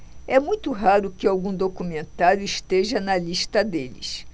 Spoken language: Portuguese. é muito raro que algum documentário esteja na lista deles